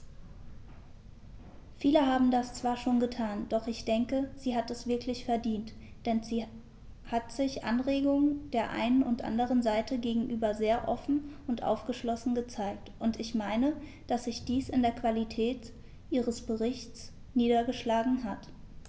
Viele haben das zwar schon getan, doch ich denke, sie hat es wirklich verdient, denn sie hat sich Anregungen der einen und anderen Seite gegenüber sehr offen und aufgeschlossen gezeigt, und ich meine, dass sich dies in der Qualität ihres Berichts niedergeschlagen hat.